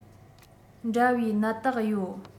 འདྲ བའི ནད རྟགས ཡོད